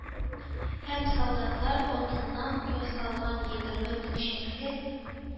Һәм солдатлар алтыннан ясалган егерме көпчәкле